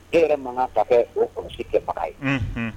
E yɛrɛ mankan ta kɛ o kɔlɔsi kɛbaga ye, unhun